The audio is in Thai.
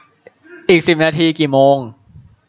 อีกสิบนาทีกี่โมง